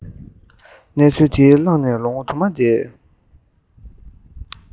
གནས ཚུལ དེ ལྷགས ནས ལོ ངོ དུ མ འདས